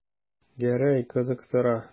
Гәрәй кызыктыра.